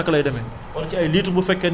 ndax war naa mën a xam ci produit yi